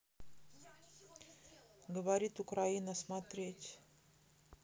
говорит украина смотреть